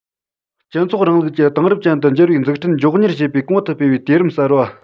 སྤྱི ཚོགས རིང ལུགས ཀྱི དེང རབས ཅན དུ འགྱུར བའི འཛུགས སྐྲུན མགྱོགས མྱུར བྱེད པའི གོང དུ སྤེལ བའི དུས རིམ གསར པ